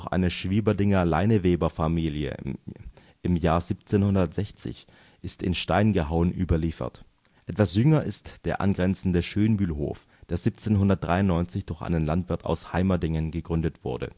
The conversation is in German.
eine Schwieberdinger Leineweberfamilie im Jahr 1760 ist in Stein gehauen überliefert. Etwas jünger ist der angrenzende Schönbühlhof, der 1793 durch einen Landwirt aus Heimerdingen gegründet wurde